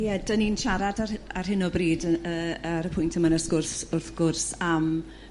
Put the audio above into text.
Ie dyn ni'n siarad ar h- ar hyn o bryd y- yrr ar y pwynt yma'n sgwrs wrth gwrs am